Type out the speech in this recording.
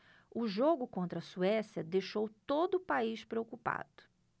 o jogo contra a suécia deixou todo o país preocupado